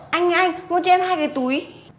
anh ơi anh mua cho em hai cái túi